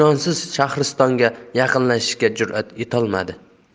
jonsiz shahristonga yaqinlashishga jurat etolmadi